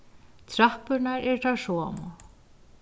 trappurnar eru tær somu